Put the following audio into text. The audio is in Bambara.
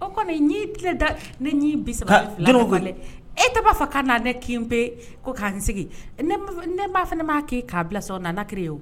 O kɔni tile da ne bi saba e tɛ b'a fɔ ka na ne kin bɛ yen ko k' n sigi ne b'a fɔ ne m'a kɛe k'a bila sɔn na kire ye